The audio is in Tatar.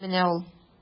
Менә ул.